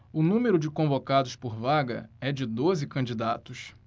o número de convocados por vaga é de doze candidatos